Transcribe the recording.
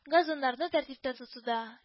Газоннарны тәртиптә тотуда